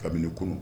Kabini kɔnɔ